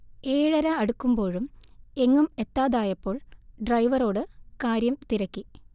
ഏഴര അടുക്കുമ്പോഴും എങ്ങും എത്താതായപ്പോൾ ഡ്രൈവറോട് കാര്യം തിരക്കി